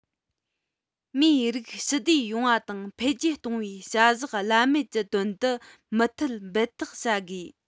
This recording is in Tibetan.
མིའི རིགས ཞི བདེ ཡོང བ དང འཕེལ རྒྱས གཏོང བའི བྱ གཞག བླ མེད ཀྱི དོན དུ མུ མཐུད འབད འཐབ བྱ དགོས